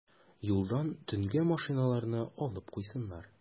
Юлдан төнгә машиналарны алып куйсыннар.